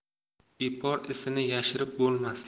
ipor isini yashirib bo'lmas